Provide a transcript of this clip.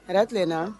Hɛɛrɛ klenaa